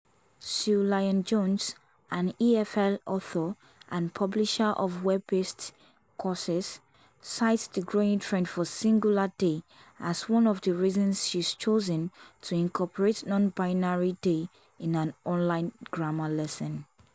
Sue Lyon-Jones, an EFL author and publisher of web-based courses, cites the growing trend for singular they as one of the reasons she’s chosen to incorporate nonbinary they in an online grammar lesson.